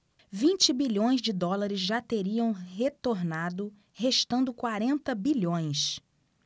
vinte bilhões de dólares já teriam retornado restando quarenta bilhões